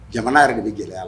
Jamana yɛrɛ de bɛ gɛlɛya la